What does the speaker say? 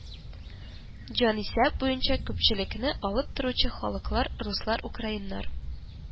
Җанисәп буенча күпчелекне алып торучы халыклар: руслар украиннар